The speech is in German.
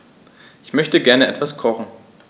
Ich möchte gerne etwas kochen.